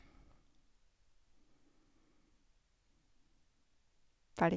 Ferdig.